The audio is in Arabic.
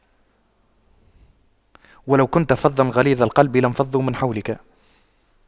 وَلَو كُنتَ فَظًّا غَلِيظَ القَلبِ لاَنفَضُّواْ مِن حَولِكَ